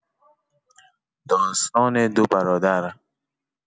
داستان دو برادر